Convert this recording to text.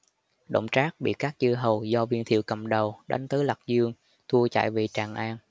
đổng trác bị các chư hầu do viên thiệu cầm đầu đánh tới lạc dương thua chạy về tràng an